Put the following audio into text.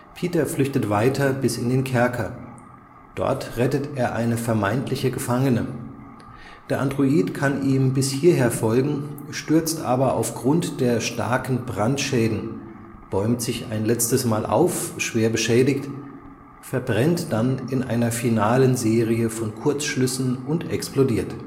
Peter flüchtet weiter bis in den Kerker. Dort rettet er eine vermeintliche Gefangene. Der Android kann ihm bis hierher folgen, stürzt aber aufgrund der starken Brandschäden, bäumt sich ein letztes Mal auf, schwer beschädigt, verbrennt dann in einer finalen Serie von Kurzschlüssen und explodiert